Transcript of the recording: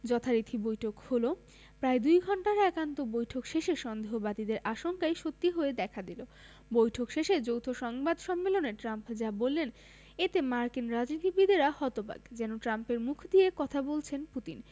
যথারীতি বৈঠক হলো প্রায় দুই ঘণ্টার একান্ত বৈঠক শেষে সন্দেহবাদীদের আশঙ্কাই সত্যি হয়ে দেখা দিল বৈঠক শেষে যৌথ সংবাদ সম্মেলনে ট্রাম্প যা বললেন এতে মার্কিন রাজনীতিবিদেরা হতবাক যেন ট্রাম্পের মুখ দিয়ে কথা বলছেন পুতিন